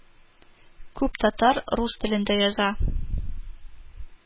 Күп татар рус телендә яза